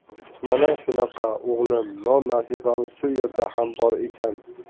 mana shunaqa o'g'lim non nasibamiz shu yerda ham bor ekan